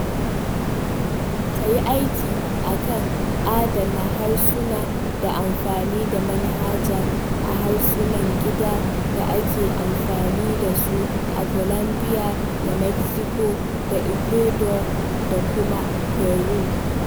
Ta yi aiki a kan adana harsuna da amfani da manhaja a harsunan gida da ake amfani da su a Colombia da Mexico da Ecuador da kuma Peru.